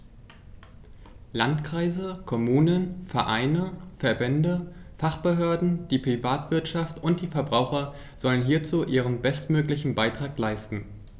Landkreise, Kommunen, Vereine, Verbände, Fachbehörden, die Privatwirtschaft und die Verbraucher sollen hierzu ihren bestmöglichen Beitrag leisten.